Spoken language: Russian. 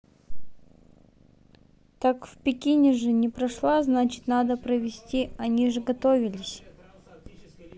так в пекине же не прошла значит надо провести они же готовились